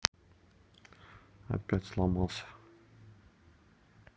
опять сломался